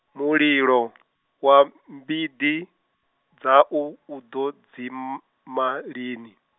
mulilo, wa mbiti, dzau u ḓo dzima lini?